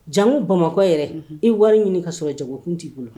Jan bamakɔ yɛrɛ i wari ɲini ka sɔrɔ jagokun t'i bolo